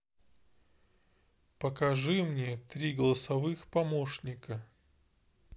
покажи мне три голосовых помощника